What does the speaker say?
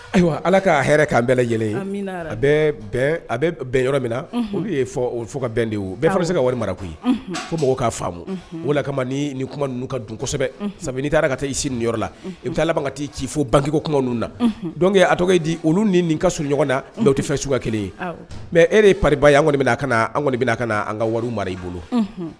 Ayiwa ala k ka k' an bɛɛ lajɛlen ye a a bɛ bɛn yɔrɔ min na olu fo ka bɛn de ye bɛɛ fana bɛ se ka wari mara koyi ko mɔgɔw k'a faamu walima kama kuma ka dunsɛbɛ sabu n'i taara ka taa i sigi ni yɔrɔ la i bɛ taa ala ka t'i ci fo ban bangekeko kungo ninnu nake a tɔgɔ di olu ni ka sun ɲɔgɔnɔgɔ na tɛ fɛ su ka kelen ye mɛ e ye paba ye an kɔni an kɔni bɛna ka na an ka wari mara i bolo